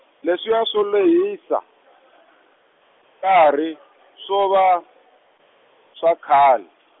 leswiya swo lehisa , nkarhi, swo va, swa khale.